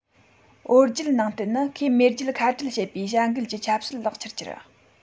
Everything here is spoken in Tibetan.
བོད རྒྱུད ནང བསྟན ནི ཁོས མེས རྒྱལ ཁ བྲལ བྱེད པའི བྱ འགུལ གྱི ཆབ སྲིད ལག ཆར གྱུར